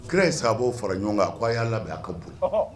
Fula ye sa bɔ fara ɲɔgɔn kan k' a y'a labɛn a ka bon